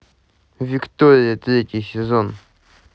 виктория третий сезон